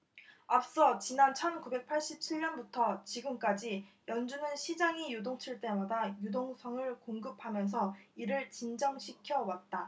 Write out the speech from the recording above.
앞서 지난 천 구백 팔십 칠 년부터 지금까지 연준은 시장이 요동칠 때마다 유동성을 공급하면서 이를 진정시켜 왔다